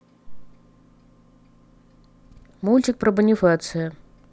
мультик про бонифация